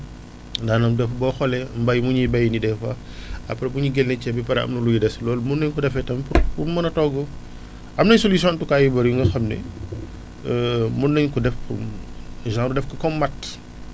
daanañ def boo xoolee mbay mu ñuy béy nii des fois après bu ñu génnee ceeb bi ba pare am na luy des loolu mun nañu ko defee tam pour mën a togg am nay solutions en tout cas yu bëri yu nga xam ne mun nañu ko def pour genre def ko comme matt